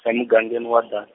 emugangeni wa Dan-.